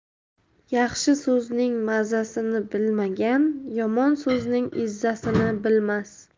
yaxshi so'zning mazzasini bilmagan yomon so'zning izzasini bilmas